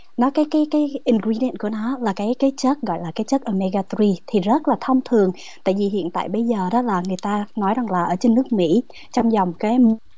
nó cái cái cái in quy định của nó là cái cái chết gọi là cái chất ô mê ga tơ guy thì rất là thông thường tại vì hiện tại bây giờ đã là người ta nói rằng là ở trên nước mỹ trong dòng cái